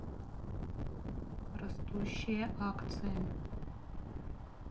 растущие акции